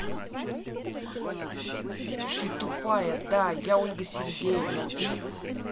ты тупая да я ольга сергеевна ты